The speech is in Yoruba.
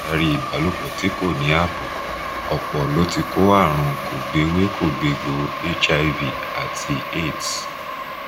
Látàrí ìbálòpọ̀ tí kò ní ààbò, ọ̀pọ̀ l'ó ti kó àrùn kògbéwékògbègbó HIV àti AIDS.